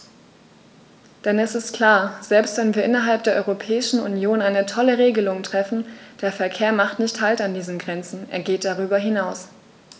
Denn es ist klar: Selbst wenn wir innerhalb der Europäischen Union eine tolle Regelung treffen, der Verkehr macht nicht Halt an diesen Grenzen, er geht darüber hinaus.